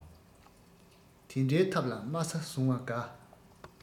དེ འདྲའི ཐབས ལ དམའ ས བཟུང བ དགའ